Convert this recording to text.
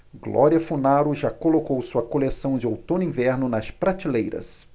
glória funaro já colocou sua coleção de outono-inverno nas prateleiras